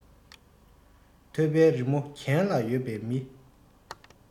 ཐོད པའི རི མོ གྱེན ལ ཡོད པའི མི